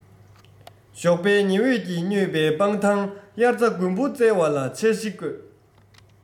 ཞོགས པའི ཉི འོད ཀྱིས མྱོས པའི སྤང ཐང དབྱར རྩྭ དགུན འབུ བཙལ བ ལ འཆར གཞི བཀོད